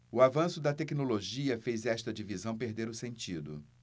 o avanço da tecnologia fez esta divisão perder o sentido